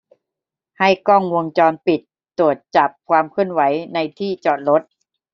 ให้กล้องวงจรปิดตรวจจับความเคลื่อนไหวในที่จอดรถ